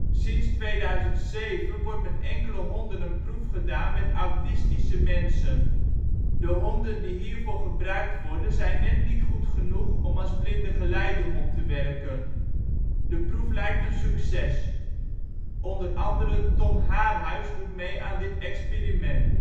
Sinds 2007 wordt met enkele honden een proef gedaan met autistische mensen. De honden die hiervoor gebruikt worden zijn net niet goed genoeg om als blindengeleidehond te werken. De proef lijkt een succes. Onder andere Tom Haarhuis doet mee aan dit experiment